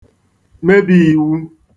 mebī īwū